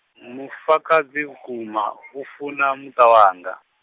mufakadzi vhukuma, u funa, muṱa wanga.